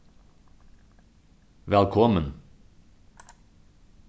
vælkomin